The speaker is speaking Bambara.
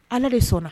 Ala de sɔnna